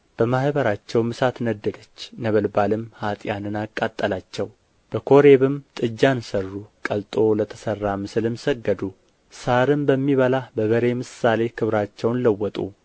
በማኅበራቸውም እሳት ነደደች ነበልባልም ኅጥኣንን አቃጠላቸው በኮሬብም ጥጃን ሠሩ ቀልጦ ለተሠራ ምስልም ሰገዱ ሣርም በሚበላ በበሬ ምሳሌ ክብራቸውን ለወጡ